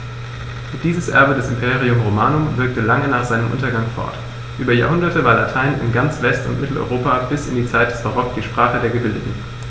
Dieses Erbe des Imperium Romanum wirkte lange nach seinem Untergang fort: Über Jahrhunderte war Latein in ganz West- und Mitteleuropa bis in die Zeit des Barock die Sprache der Gebildeten.